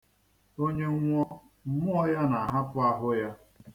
Onye nwụọ, mmụọ ya na-ahapụ ahụ ya.